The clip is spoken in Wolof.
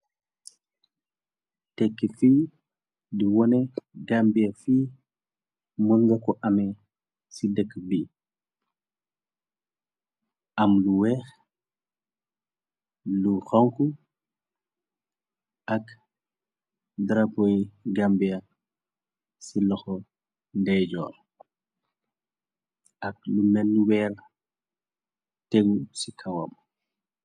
Tekki fi di wone gambia fi mël nga ko ame ci dëkk bi. Am lu weex, lu xonk ak drapoy gambia ci laxo ndeejoor ak lu meni weer tegu ci kawam.